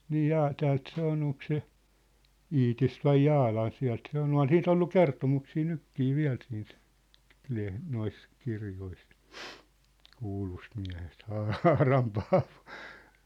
niin - täältä se on onko se Iitistä vai Jaalan sieltä se oli on siitä ollut kertomuksia nytkin vielä siitä - noissa kirjoissa kuulusta miehestä Haaran Paavo